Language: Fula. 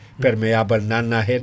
perméable nanna hen